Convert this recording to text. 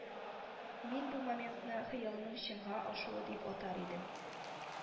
“мин бу моментны хыялның чынга ашуы дип атар идем